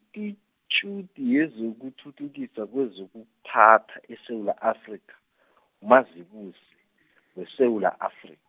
i- -tjuti yezokuthuthukiswa kwezokuphatha eSewula Afrika , uMazibuse weSewula Afri-.